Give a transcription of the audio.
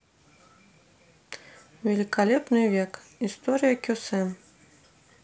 великолепный век история кесем